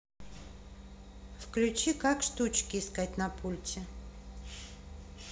включи как штучки искать на пульте